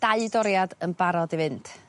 Dau doriad yn barod i fynd.